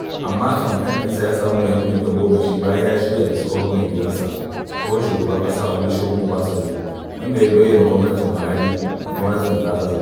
Amma kamfen ɗinsa ya samu muhimmin tagomashi bayan ya shirya da tsohon mai gidansa, tsohon shugaban ƙasa Olusegun Obasanjo - wanda ya bayyana gwamnatin Buhari da gwamnatin da ta gaza.